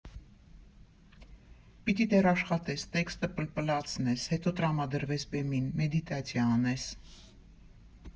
Պիտի դեռ աշխատես, տեքստը պլպլացնես, հետո տրամադրվես բեմին, մեդիտացիա անես…